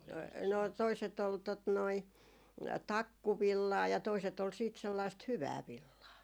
no toiset oli tuota noin takkuvillaa ja toiset oli sitten sellaista hyvää villaa